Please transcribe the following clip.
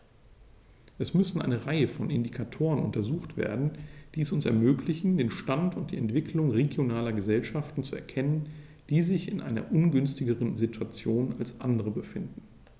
Es müssen eine Reihe von Indikatoren untersucht werden, die es uns ermöglichen, den Stand und die Entwicklung regionaler Gesellschaften zu erkennen, die sich in einer ungünstigeren Situation als andere befinden.